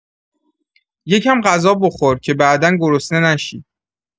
یه کم‌غذا بخور که بعدا گرسنه نشی